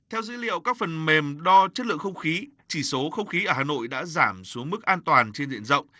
theo dữ liệu các phần mềm đo chất lượng không khí chỉ số không khí ở hà nội đã giảm xuống mức an toàn trên diện rộng